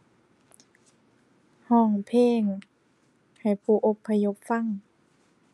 ร้องเพลง ให้ผู้อพยพฟัง